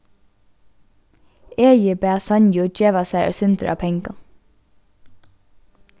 egi bað sonju geva sær eitt sindur av pengum